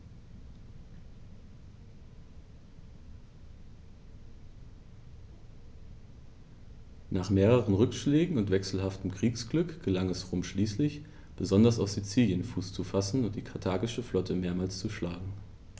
Nach mehreren Rückschlägen und wechselhaftem Kriegsglück gelang es Rom schließlich, besonders auf Sizilien Fuß zu fassen und die karthagische Flotte mehrmals zu schlagen.